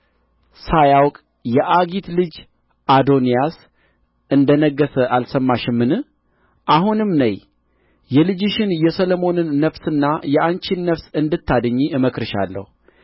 ሳያውቅ የአጊት ልጅ አዶንያስ እንደ ነገሠ አልሰማሽምን አሁንም ነዪ የልጅሽን የሰሎሞንን ነፍስና የአንቺን ነፍስ እንድታድኝ እመክርሻለሁ